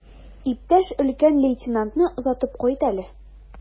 Иптәш өлкән лейтенантны озатып кайт әле.